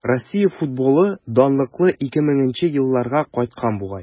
Россия футболы данлыклы 2000 нче елларга кайткан бугай.